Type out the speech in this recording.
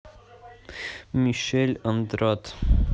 мишель андраде